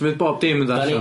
Bydd bob dim mynd allan.